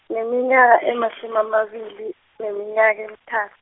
ngineminyaka emasumi amabili, neminyaka emitha-.